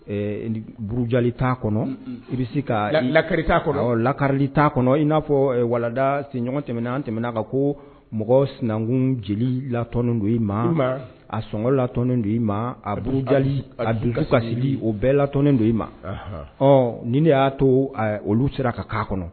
Buruja t' kɔnɔ i bɛ se ka lakari kɔnɔ lakarili t'a kɔnɔ in n'afɔ wada senɲɔgɔn tɛmɛnɛna an tɛmɛna kan ko mɔgɔ sinankun jeli lat don i ma a sɔn lat don i ma auruja a dunun kasisi o bɛɛ lat don i ma ɔ ni ne y'a to olu sera ka kana kɔnɔ